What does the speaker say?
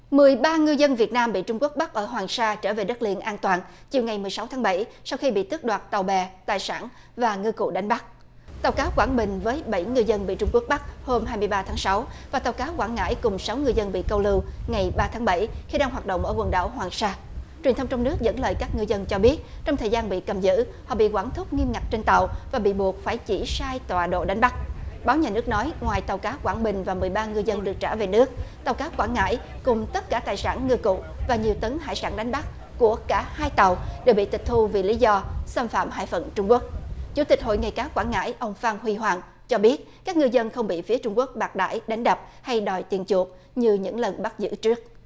mười ba ngư dân việt nam bị trung quốc bắt ở hoàng sa trở về đất liền an toàn chiều ngày mười sáu tháng bảy sau khi bị tước đoạt tàu bè tài sản và ngư cụ đánh bắt tàu cá quảng bình với bảy ngư dân bị trung quốc bắt hôm hai mươi ba tháng sáu và tàu cá quảng ngãi cùng sáu người dân bị câu lưu ngày ba tháng bảy khi đang hoạt động ở quần đảo hoàng sa truyền thông trong nước dẫn lời các ngư dân cho biết trong thời gian bị cầm giữ họ bị quản thúc nghiêm ngặt trên tàu và bị buộc phải chỉ sai tọa độ đánh bắt báo nhà nước nói ngoài tàu cá quảng bình và mười ba ngư dân được trả về nước tàu cá quảng ngãi cùng tất cả tài sản ngư cụ và nhiều tấn hải sản đánh bắt của cả hai tàu đều bị tịch thu vì lý do xâm phạm hải phận trung quốc chủ tịch hội nghề cá quảng ngãi ông phan huy hoàng cho biết các ngư dân không bị phía trung quốc bạc đãi đánh đập hay đòi tiền chuộc như những lần bắt giữ trước